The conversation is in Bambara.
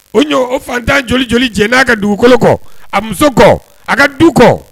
O ɲɔ o fatan joli joli j n'a ka dugukolo kɔ a muso kɔ a ka du kɔ